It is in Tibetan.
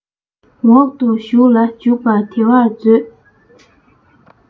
འོག ཏུ ཞུགས ལ འཇུག པ བདེ བར མཛོད